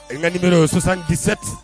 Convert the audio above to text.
Ee nka numéro 77